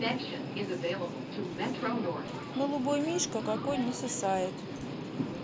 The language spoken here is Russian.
голубой мишка какой не сосает